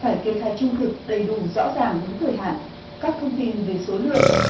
phải kê khai trung thực đầy đủ rõ ràng đúng thời hạn các thông tin về số lượng